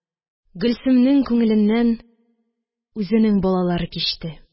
Гөлсемнең күңеленнән үзенең балалары кичте